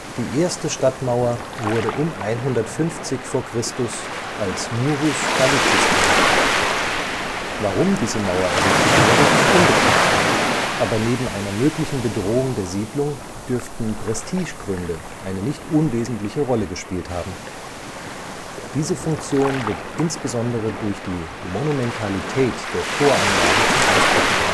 Die erste Stadtmauer wurde um 150 v. Chr. als Murus Gallicus errichtet. Warum diese Mauer errichtet wurde, ist unbekannt, aber neben einer möglichen Bedrohung der Siedlung dürften Prestigegründe eine nicht unwesentliche Rolle gespielt haben. Diese Funktion wird insbesondere durch die Monumentalität der Toranlagen zum Ausdruck